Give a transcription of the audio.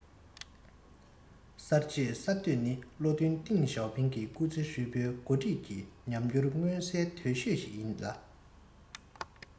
གསར འབྱེད གསར གཏོད ནི བློ མཐུན ཏེང ཞའོ ཕིང སྐུ ཚེ ཧྲིལ པོའི འགོ ཁྲིད ཀྱི ཉམས འགྱུར མངོན གསལ དོད ཤོས ཤིག ཡིན ལ